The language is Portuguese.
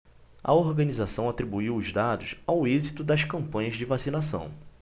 a organização atribuiu os dados ao êxito das campanhas de vacinação